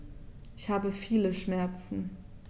Ich habe viele Schmerzen.